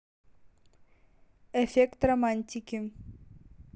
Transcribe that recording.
эффект романтики